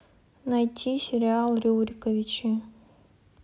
найти сериал рюриковичи